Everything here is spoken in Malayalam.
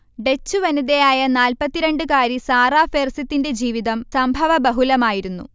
ഡച്ചു വനിതയായ നാല്പ്പത്തിരണ്ട് കാരി സാറാ ഫേർസിത്തിന്റെ ജീവിതം സംഭവബഹുലമായിരുന്നു